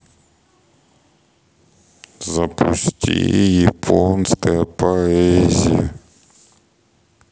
запусти японская поэзия